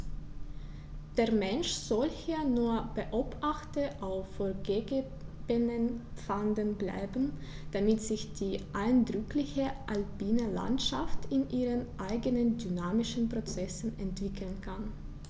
Der Mensch soll hier nur Beobachter auf vorgegebenen Pfaden bleiben, damit sich die eindrückliche alpine Landschaft in ihren eigenen dynamischen Prozessen entwickeln kann.